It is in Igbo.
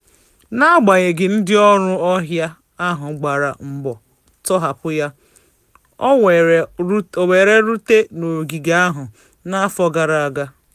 N'agbanyeghị, ndịọrụ ọhịa ahụ gbara mbọ tọhapụ ya, o were rute n'ogige ahụ n'afọ gara aga.